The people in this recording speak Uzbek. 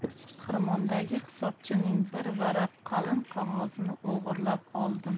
xirmondagi hisobchining bir varaq qalin qog'ozini o'g'irlab oldim